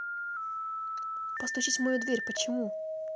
постучись в мою дверь почему